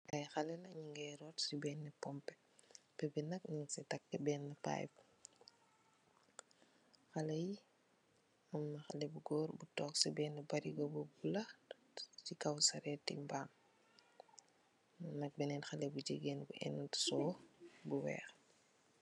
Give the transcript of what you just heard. Aiiy haleh la, njungeh rohtt cii pompeh, pompeh bii nak njung cii takue benah pipe, haleh yii, amna haleh bu gorre bu tok cii benah bahrigo bu bulah cii kaw sahreti mbam, amna benen haleh bu gigain bu ehhndu siwoh bu wekh.